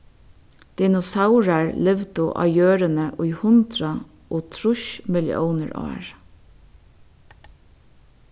dinosaurar livdu á jørðini í hundrað og trýss milliónir ár